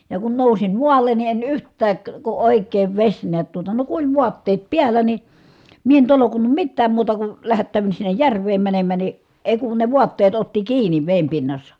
ja kun nousin maalle niin en yhtään kun oikein vesi näet tuota no kun oli vaatteet päällä niin minä en tolkunnut mitään muuta kuin lähättäydyn sinne järveen menemään niin ei kun ne vaatteet otti kiinni veden pinnassa